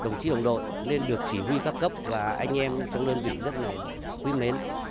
đồng chí đồng đội nên được chỉ huy các cấp và anh em trong đơn vị rất là quý mến